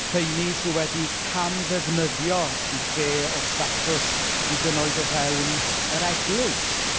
Rheini sy wedi cam ddefnyddio eu lle o statws, hyd yn oed o fewn yr Eglwys.